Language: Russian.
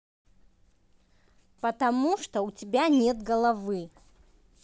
потому что у тебя нет головы